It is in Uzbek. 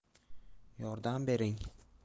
yordam bering